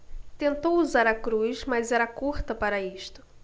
tentou usar a cruz mas era curta para isto